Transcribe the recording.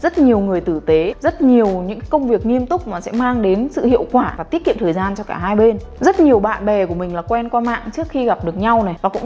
rất nhiều người tử tế rất nhiều những cái công việc nghiêm túc mà sẽ mang đến sự hiệu quả và tiết kiệm thời gian cho cả hai bên rất nhiều bạn bè của mình là quen qua mạng trước khi gặp được nhau này và cũng